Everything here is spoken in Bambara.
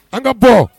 An ka bɔ